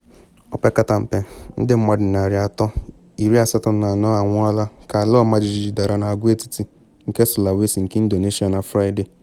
Opekata mpe ndị mmadụ 384 anwụọla ka ala ọmajiji dara na agwaetiti nke Sulawesi nke Indonesia na Fraịde.